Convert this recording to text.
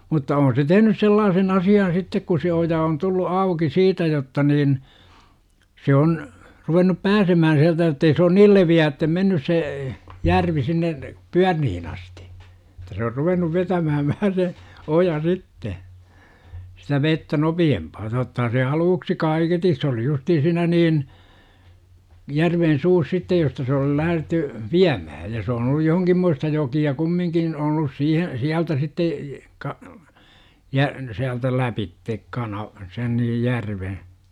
mutta on se tehnyt sellaisen asian sitten kun se oja on tullut auki siitä jotta niin se on ruvennut pääsemään sieltä jotta ei se ole niin leveäksi mennyt se järvi sinne Pyörniin asti että se on ruvennut vetämään vähän se oja sitten sitä vettä nopeampaa tottahan se aluksi kaiketi se oli justiin siinä niin järven suussa sitten josta se oli lähdetty viemään ja se on ollut jonkinlaista jokea kumminkin on ollut siihen sieltä sitten - ka - sieltä läpi - sen niin järven